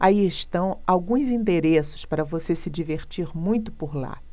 aí estão alguns endereços para você se divertir muito por lá